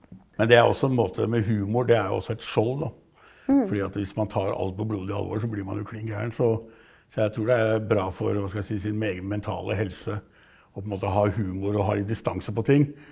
men det er også en måte med humor, det er jo også et skjold da fordi at hvis man tar alt på blodig alvor så blir man jo klin gæren så så jeg tror det er bra for, hva skal jeg si, sin egen mentale helse å på en måte ha humor og ha litt distanse på ting.